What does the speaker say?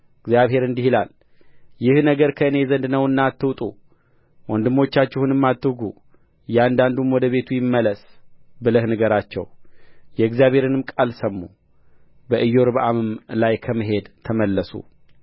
እግዚአብሔር እንዲህ ይላል ይህ ነገር ከእኔ ዘንድ ነውና አትውጡ ወንድሞቻችሁንም አትውጉ እያንዳንዱም ወደ ቤቱ ይመለስ ብለህ ንገራቸው የእግዚአብሔርንም ቃል ሰሙ በኢዮርብዓምም ላይ ከመሄድ ተመለሱ